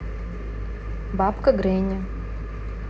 бабка гренни